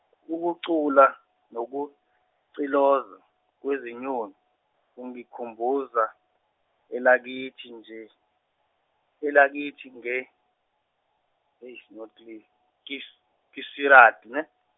ukucula nokuciloza kwezinyoni kungikhumbuza elakithi nje elakithi nge kis- kisirati ne?